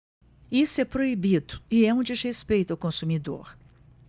isso é proibido e é um desrespeito ao consumidor